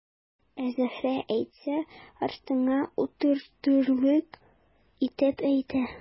Ә Зөһрә әйтсә, артыңа утыртырлык итеп әйтә.